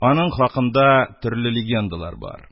Аның хакында төрле легендалар бар.